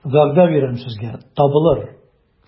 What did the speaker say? Вәгъдә бирәм сезгә, табылыр...